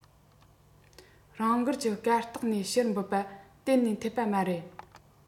རང འགུལ ཀྱི གར སྟེགས ནས ཕྱིར བུད པ གཏན ནས འཐད པ མ རེད